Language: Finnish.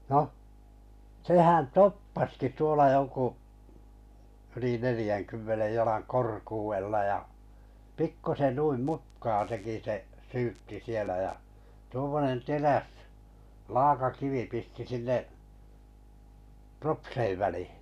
noh sehän toppasikin tuolla jo kun yli neljänkymmenen jalan korkeudella ja pikkuisen noin mutkaa teki se syytti siellä ja tuommoinen teräs laakakivi pisti sinne propsien väliin